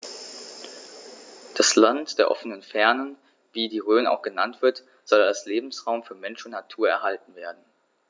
Das „Land der offenen Fernen“, wie die Rhön auch genannt wird, soll als Lebensraum für Mensch und Natur erhalten werden.